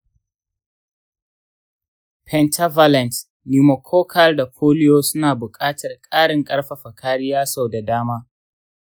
pentavalent, pneumococcal, da polio suna buƙatar ƙarin ƙarfafa kariya sau da dama.